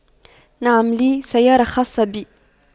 نعم لي سيارة خاصة بي